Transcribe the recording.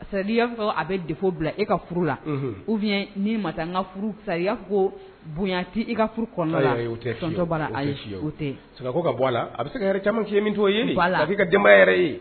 C'est à dire i b'a fɔ ko a bɛ défaut bila e ka furu la unhun ou bien n'i ma taa ŋa furu sa i k'a fo koo bonya ti i ka furu kɔɔna la ayi ayi o tɛ tiɲɛ ye tonton Balla ayi o tɛ tiɲɛ ye ayi o tɛ Sika k'o ka bɔ a la a bi se ka hɛrɛ caman k'i ye min 'o ye voilà a bi ka denbaya yɛrɛ ye